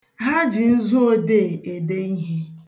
Ha ji nzuodee ede ihe